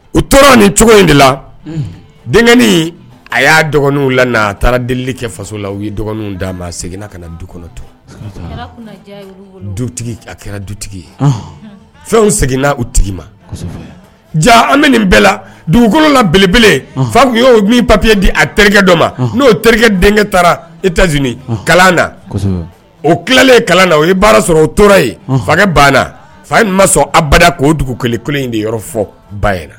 U tora ni cogo in de la denkɛnin a y'a dɔgɔninw la n' a taara delieli kɛ faso la u ye dɔgɔnin d'a ma seginna ka na du kɔnɔtɔn du a kɛra dutigi ye fɛnw seginna u tigi ma ja an bɛ nin bɛɛ la dugukolo la belebele fa tun y'o min papiye di a terikɛ dɔ ma n'o terikɛ denkɛ taara e tɛz kalan na o tilale kalan na o ye baara sɔrɔ o tora ye fankɛ banna fa ma sɔn abada k'o dugu kelen kelen in de yɔrɔ fɔ bay na